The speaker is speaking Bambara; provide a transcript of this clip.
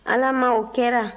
ala maa o kɛra